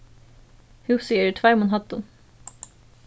húsið er í tveimum hæddum